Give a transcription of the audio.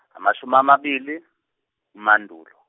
amashumi amabili uMandulo.